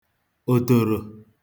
òtòrò